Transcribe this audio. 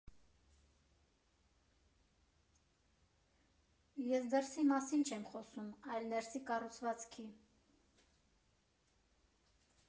Ես դրսի մասին չեմ խոսում, այլ ներսի կառուցվածքի։